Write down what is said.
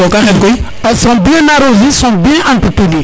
to ka xed koy sont bien arrosés sont bien entretenu